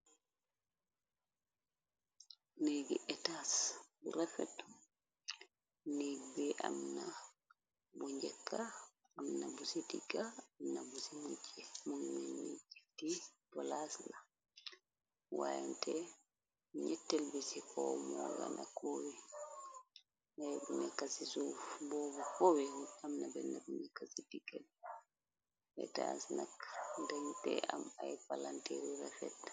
Neegi etas bu rafetu neeg bi am na bu njëkka am na bu ci digga na bu ci nijj mo melni jifti polaas la waayente ñyettel bi ci ko moo gana kob nekka ci suuf boobu koowee amna benn bu mekka ci digga etas nakk dañ pe am ay palantëeri yu rafet.